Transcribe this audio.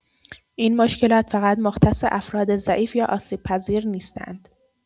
این مشکلات فقط مختص افراد «ضعیف» یا «آسیب‌پذیر» نیستند.